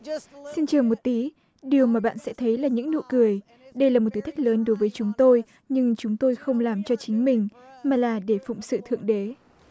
xin chờ một tý điều mà bạn sẽ thấy là những nụ cười đây là một thách thức lớn đối với chúng tôi nhưng chúng tôi không làm cho chính mình mà là để phụng sự thượng đế